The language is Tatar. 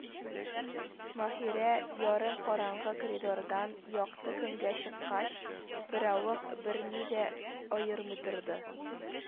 Маһирә, ярым караңгы коридордан якты көнгә чыккач, беравык берни дә аермый торды